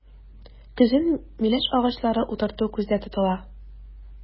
Көзен миләш агачлары утырту күздә тотыла.